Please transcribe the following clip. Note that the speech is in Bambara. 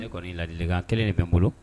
Ne yɛrɛ kɔni ladilikan kelen de bɛ n bolo